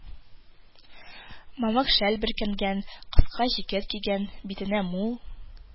Мамык шәл бөркәнгән, кыска жикет кигән, битенә мул